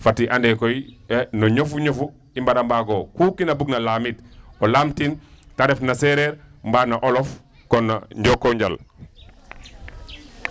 Fat i ande koy a no ñofu ñofu i mbara mbaag o ku kiin a bugna laamit o laamtin ta refna seereer mba no olof kon njokonjal.